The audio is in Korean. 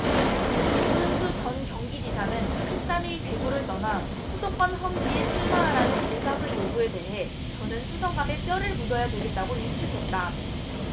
김문수 전 경기지사는 십 삼 일 대구를 떠나 수도권 험지에 출마하라는 일각의 요구에 대해 저는 수성갑에 뼈를 묻어야 되겠다고 일축했다